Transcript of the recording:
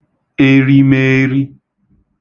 erimeeri